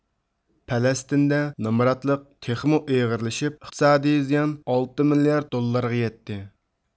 پەلەستىندە نامراتلىق تېخىمۇ ئېغىرلىشىپ ئىقتىسادىي زىيان ئالتە مىليارد دوللارغا يەتتى